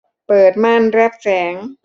เปิดม่านรับแสง